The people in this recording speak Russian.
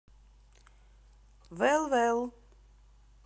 well well